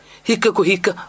hikka ko hikka